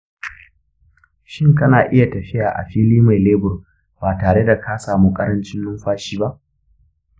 shin kana iya tafiya a fili mai lebur ba tare da ka samu ƙarancin numfashi ba?